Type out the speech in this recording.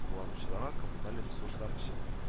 Кулланучыларга коммуналь ресурслар өчен